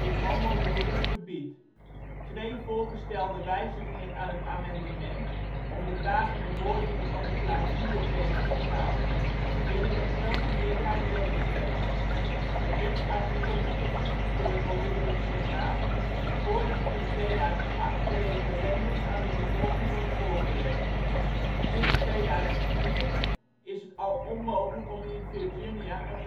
homohuwelijk verbiedt. Twee voorgestelde wijzigingen aan het amendement om de vage bewoordingen van de clausule tegen te gaan werden met grote meerderheid weggestemd. Het wetsartikel moet nog goedgekeurd worden door de senaat, voordat het in 2008 per referendum aan de bevolking wordt voorgelegd. Sinds 2004 is het al onmogelijk om in Virginia een geregistreerd